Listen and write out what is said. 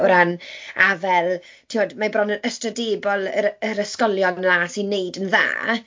O ran... a fel timod, mae bron yn ystradebol yr yr ysgolion 'na sy'n wneud yn dda.